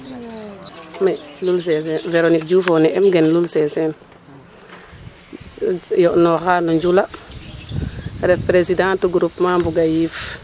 Mi Véronique Dioufo ne'em gen Lul seseen yo'nooxaa no njula def Présidente groupement mbog a yiif,